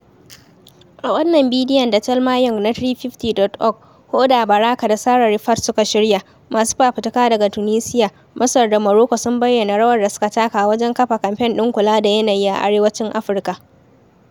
A wannan bidiyon da Thelma Young na 350.org, Hoda Baraka da Sarah Rifaat suka shirya, masu fafutuka daga Tunisia, Masar da Morocco sun bayyana rawar da suka taka wajen kafa Kamfen ɗin kula da yanayi a Arewacin Afirka.